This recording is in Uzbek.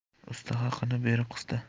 usta haqini berib qista